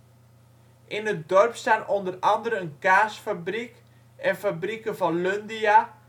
In het dorp staan onder andere een kaasfabriek en fabrieken van Lundia